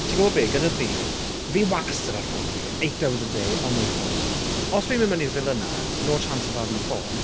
Ti'n gwybod be? Gyda fi, fi wastad ar ffôn fi, 8 hours a day on my phone os fi'n mynd mewn i'r villa 'na no chance of having a phone.